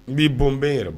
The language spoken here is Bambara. N b'i bɔnbɛn yɛrɛ